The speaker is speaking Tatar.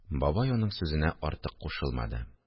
Бабай аның сүзенә артык кушылмады